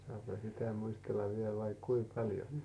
saahan sitä muistella vielä vaikka kuinka paljon